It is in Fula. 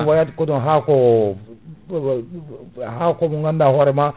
ɗum wayata kono haako haako mo ganduɗa hoorema